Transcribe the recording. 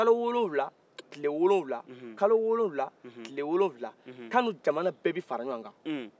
kalo wulowula kile wulowula kalo wulowula kile wulowula kanu jamana bɛɛ bɛ fara ɲɔgɔn kan